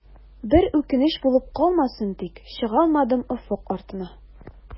Бер үкенеч булып калмассың тик, чыгалмадым офык артына.